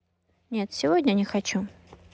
нет сегодня не хочу